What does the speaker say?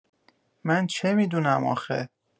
من چه می‌دونم آخه؟